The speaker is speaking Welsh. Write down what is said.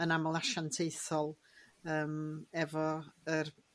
yn aml asiantaethol yym efo yr